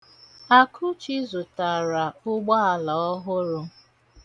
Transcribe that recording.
Akụchi zụtara ụgbaala ọhụrụ.